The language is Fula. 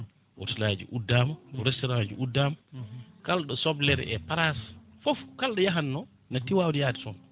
hôtel ai uddama restaurant ji uddama kalɗo soblere e patas foof kalɗo yakanno natti wawde yaade toon